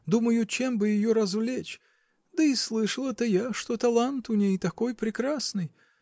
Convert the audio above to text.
думаю, чем бы ее развлечь, -- да и слышала-то я, что талант у ней такой прекрасный!